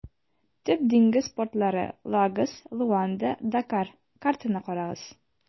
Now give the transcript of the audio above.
Төп диңгез портлары - Лагос, Луанда, Дакар (картаны карагыз).